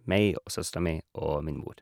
Meg og søstera mi og min mor.